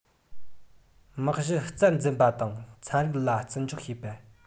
མི གཞི རྩར འཛིན པ དང ཚན རིག ལ བརྩི འཇོག བྱེད